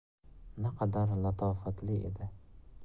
naqadar latofatli edi